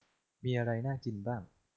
มีอะไรน่ากินบ้าง